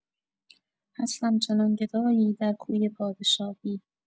هستم چنان گدایی در کوی پادشاهی